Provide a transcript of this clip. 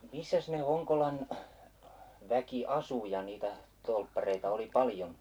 missäs ne Honkolan väki asui ja niitä torppareita oli paljon